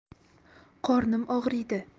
qornim og'riydi